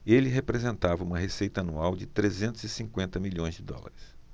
ele representava uma receita anual de trezentos e cinquenta milhões de dólares